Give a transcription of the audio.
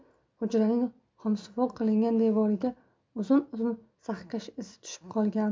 hujraning xomsuvoq qilingan devoriga uzun uzun zahkash iz tushib qolgan